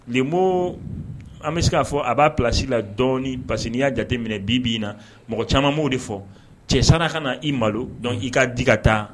Le mot an bɛ se k'a fɔ a b'a place la dɔɔni parce que n'i y'a jate minɛ bi bi in na, mɔgɔ caaman de fɔ cɛ sari a ka na i malo cɛ i ka di ka taa.